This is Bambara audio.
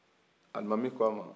alimami k'ama